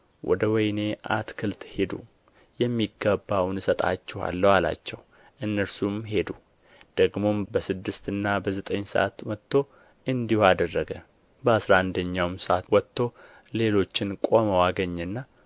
ወደ ወይኔ አትክልት ሂዱ የሚገባውንም እሰጣችኋለሁ አላቸው እነርሱም ሄዱ ደግሞም በስድስትና በዘጠኝ ሰዓት ወጥቶ እንዲሁ አደረገ በአሥራ አንደኛውም ሰዓት ወጥቶ ሌሎችን ቆመው አገኘና